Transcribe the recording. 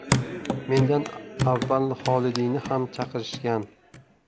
mendan avval xolidiyni ham chaqirishgan